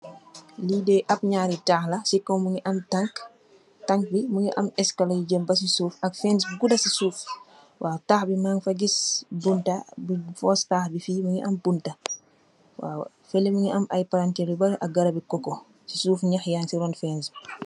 Lii Dee ab ñaari taax la, si kow mu ngi am taax. Taax bi mu ngi am eskale yi jëm bësi suuf. Taax bi maangi fa gis bunta, good taax bi fii mu ngi am buntu. Waaw, fële mu ngi am ay palanteer yu bari ak garab I koko.